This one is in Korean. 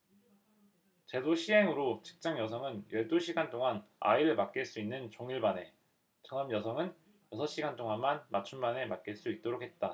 제도 시행으로 직장여성은 열 두 시간 동안 아이를 맡길 수 있는 종일반에 전업여성은 여섯 시간 동안만 맞춤반에 맡길 수 있도록 했다